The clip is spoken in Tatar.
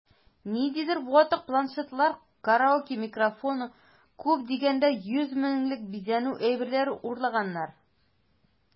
Ниндидер ватык планшетлар, караоке микрофоны(!), күп дигәндә 100 меңлек бизәнү әйберләре урлаганнар...